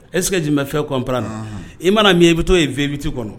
Es jum bɛ fɛn kɔnpna i m mana min i bɛ too yen vvti kɔnɔ